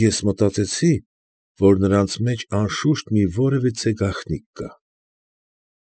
Ես մտածեցի, որ նրանց մեջ անշուշտ մի որևիցե գաղտնիք կա։